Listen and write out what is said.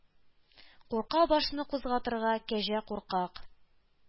Курка башны кузгатырга Кәҗә-куркак,